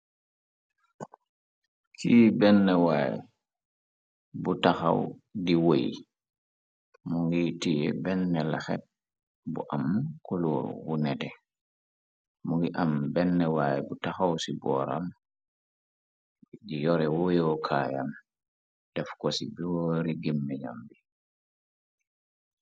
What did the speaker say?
ci benn waay bu taxaw di wëy mu ngiy tie benn la xet bu am kulo bu nete mu ngi am benn waay bu taxaw ci booram di yore woyo kaayam def ko ci boori gimijam bi